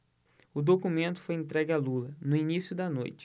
o documento foi entregue a lula no início da noite